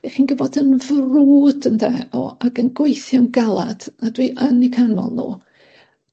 'dach chi'n gwbod yn frwd ynde o ac yn gweithio'n galad a dwi yn 'u canmol nw